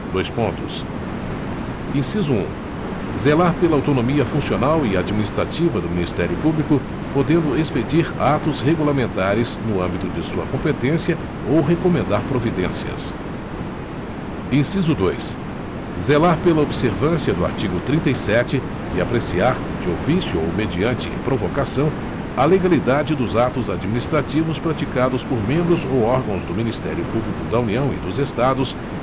dois pontos inciso um zelar pela autonomia funcional e administrativa do ministério público podendo expedir atos regulamentares no âmbito de sua competência ou recomendar providências inciso dois zelar pela observância do artigo trinta e sete e apreciar de ofício ou mediante provocação a legalidade dos atos administrativos praticados por membros ou órgãos do ministério público da união e dos estados